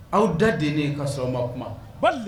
Aw da dennen k'a sɔrɔ aw ma kuma.